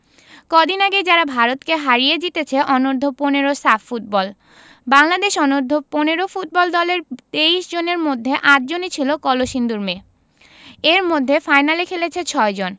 কদিন আগেই যারা ভারতকে হারিয়ে জিতেছে অনূর্ধ্ব ১৫ সাফ ফুটবল বাংলাদেশ অনূর্ধ্ব ১৫ ফুটবল দলের ২৩ জনের মধ্যে ৮ জনই ছিল কলসিন্দুরের মেয়ে এর মধ্যে ফাইনালে খেলেছে ৬ জন